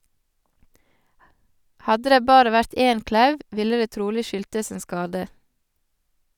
- Hadde det bare vært én klauv, ville det trolig skyldtes en skade.